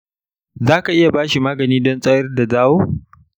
za ka iya ba shi magani don tsayar da zawo?